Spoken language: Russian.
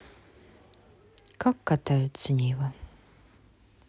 как катаются нивы